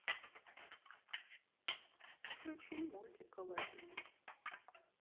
включить мультик аладдин